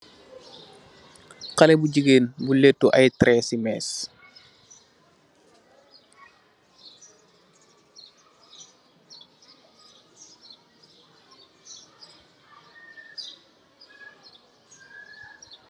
Khale bu jigain, bu laitu aye tereesi mees.